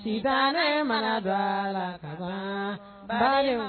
Saba mada ba